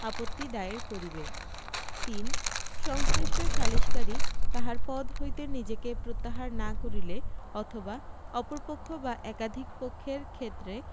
আপত্তি দায়ের করিবে ৩ সংশ্লিষ্ট সালিসকারী তাহার পদ হইতে নিজেকে প্রত্যাহার না করিলে অথবা অপর পক্ষ বা একাধিক পক্ষের ক্ষেত্রে